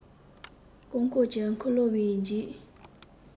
རྐང འཁོར གྱི འཁོར ལོའི འགྱིག